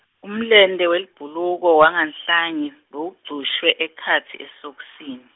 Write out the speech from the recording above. umlente welibhuluko wanganhlanye, bewugcushwe ekhatsi esokisini.